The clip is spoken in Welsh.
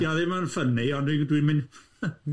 Ie, 'di o dim yn funny ond dwi'n mynd.